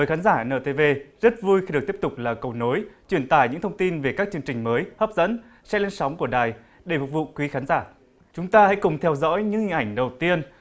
khán giả nờ tê vê rất vui khi được tiếp tục là cầu nối chuyển tải những thông tin về các chương trình mới hấp dẫn sẽ lên sóng của đài để phục vụ quý khán giả chúng ta hãy cùng theo dõi những hình ảnh đầu tiên